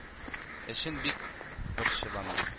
Өчен бик борчылам, дип